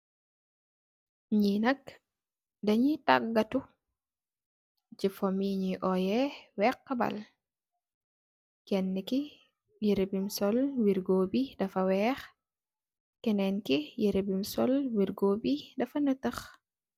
Ñii nak dañii tagatu ci fo mi ñoy óyeh wexa bal. Kenna ki yirèh bum sol wirgo dafa wèèx kenen ki yirèh bum sol wirgo dafa natax.